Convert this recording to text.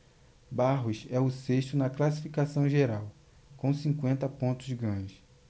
barros é o sexto na classificação geral com cinquenta pontos ganhos